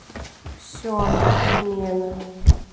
все отмена